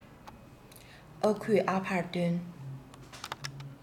ཨ ཁུས ཨ ཕར སྟོན